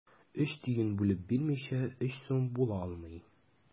Өч тиен бүлеп бирмичә, өч сум була алмый.